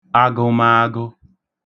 agụmaagụ